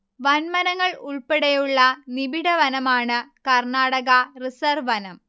വൻമരങ്ങൾ ഉൾപ്പെടെയുള്ള നിബിഢവനമാണ് കർണാടക റിസർവ് വനം